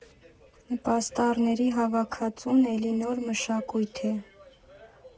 Պաստառների հավաքածուն էլի նոր մշակույթ է։